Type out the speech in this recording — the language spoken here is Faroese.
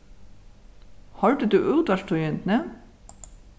hoyrdi tú útvarpstíðindini